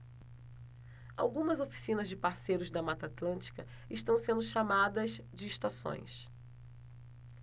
algumas oficinas de parceiros da mata atlântica estão sendo chamadas de estações